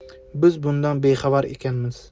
biz bundan bexabar ekanmiz